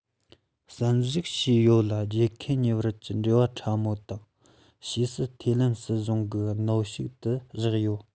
བསམ གཞིགས བྱས ཡོད ལ རྒྱལ ཁབ གཉིས བར གྱི འབྲེལ བ ཕྲ མོ དང ཕྱིས སུ ཐེ ལན སྲིད གཞུང གིས གནོན ཤུགས ཏུ བཞག ཡོད